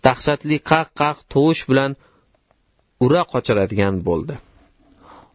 dahshatli qaq qaq tovush bilan ura qochiradigan bo'ldi